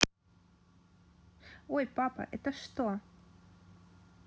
ой папа это что